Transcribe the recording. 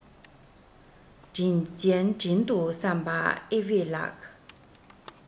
དྲིན ཅན དྲིན དུ བསམས པ ཨེ ཝེས ལགས